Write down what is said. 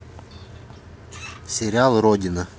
сериал родина